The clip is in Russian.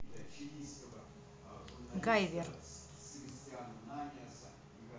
гайвер